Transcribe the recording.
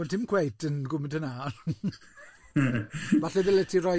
Wel, ti'm cweit yn gwmbo dyna ond falle ddyled ti roi